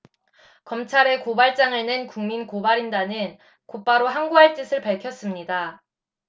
검찰에 고발장을 낸 국민고발인단은 곧바로 항고할 뜻을 밝혔습니다